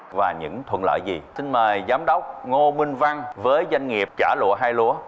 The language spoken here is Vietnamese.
và những thuận lợi gì xin mời giám đốc ngô minh văn với doanh nghiệp chả lụa hai lúa